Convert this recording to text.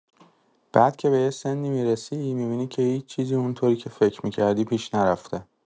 بعد که به یه سنی می‌رسی، می‌بینی که هیچ چیزی اون‌طوری که فکر می‌کردی پیش نرفته.